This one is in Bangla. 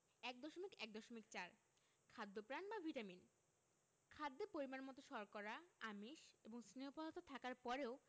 ১.১.৪ খাদ্যপ্রাণ বা ভিটামিন খাদ্যে পরিমাণমতো শর্করা আমিষ এবং স্নেহ পদার্থ থাকার পরেও